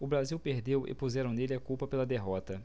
o brasil perdeu e puseram nele a culpa pela derrota